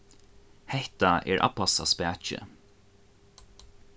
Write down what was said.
hetta er abbasa spaki